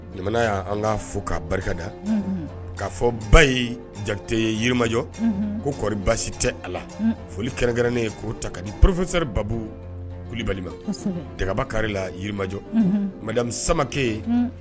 Jamana y' an ka fo kaa barika da k'a fɔba ye jate ye yirimajɔ koɔri basi tɛ a la foli kɛrɛnnen ye ta ka di ppsɛri baa kulubali dagaba kari la jirimajɔ madamu samabakɛ